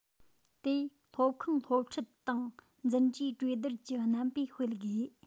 དེ སློབ ཁང སློབ ཁྲིད དང འཛིན གྲྭའི གྲོས སྡུར གྱི རྣམ པས སྤེལ དགོས